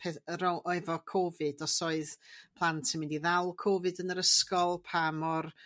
Peth efo Cofid os oedd plant yn mynd i ddal Cofid yn yr ysgol pa mor